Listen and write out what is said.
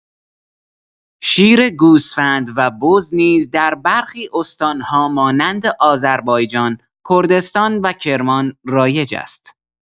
شیر گوسفند و بز نیز در برخی استان‌ها مانند آذربایجان، کردستان و کرمان رایج است.